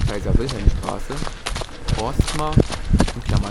Kaiser-Wilhelm-Straße), Horstmar